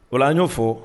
O la y'o fɔ